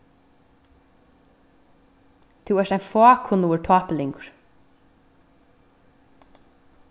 tú ert ein fákunnugur tápulingur